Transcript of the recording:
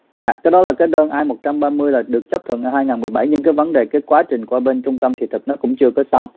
dạ cái đó là cách đơn a một trăm ba mươi là được chấp thuận hai ngàn mười bảy nhưng cái vấn đề kết quá trình qua bên trung tâm thiết thực nó cũng chưa có xong